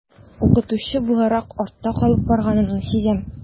Укытучы буларак артта калып барганымны сизәм.